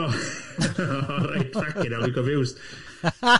O reit, thank you, nawr dwi'n confused!